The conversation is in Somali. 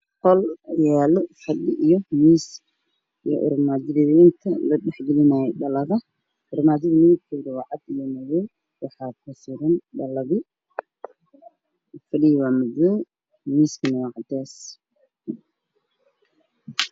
Waa qol midabkiis yahay midow xayaalo fadhi armaajo da midabkeeda waa caddaan waxaa dhex furan t v oo daaran